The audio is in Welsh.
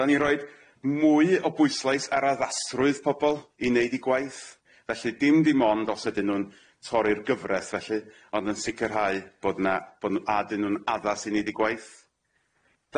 Da ni roid mwy o bwyslais ar addasrwydd pobol i neud eu gwaith felly dim dim ond os ydyn nw'n torri'r gyfret felly ond yn sicirhau bod na bod n- a dyn nw'n addas i neud eu gwaith.